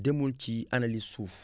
demul ci analyse suuf